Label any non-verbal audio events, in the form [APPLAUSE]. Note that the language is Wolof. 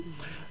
[HESITATION] [HESITATION]